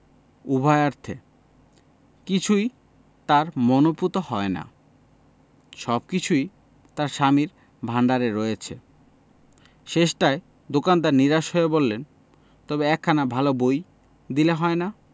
উভয়ার্থে কিছুই আর মনঃপূত হয় না সবকিছুই তার স্বামীর ভাণ্ডারে রয়েছে শেষটায় দোকানদার নিরাশ হয়ে বললে তবে একখানা ভাল বই দিলে হয় না